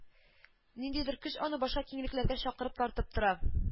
Ниндидер көч аны башка киңлекләргә чакырып, тартып тора